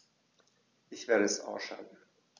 Ich werde es ausschalten